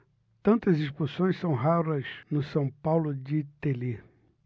tantas expulsões são raras no são paulo de telê